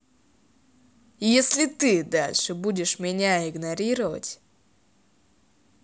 если ты дальше будешь меня игнорировать